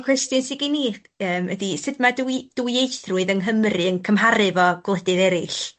###cwestiwn sy gin i yym ydi sud ma' dwyi- dwyieithrwydd yng Nghymru yn cymharu efo gwledydd eryll?